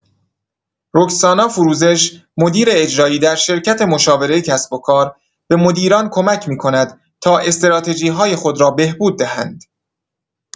رکسانا فروزش، مدیر اجرایی در شرکت مشاوره کسب‌وکار، به مدیران کمک می‌کند تا استراتژی‌های خود را بهبود دهند.